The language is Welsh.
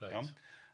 Reit. Iawn?